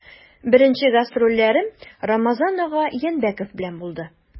Беренче гастрольләрем Рамазан ага Янбәков белән булды.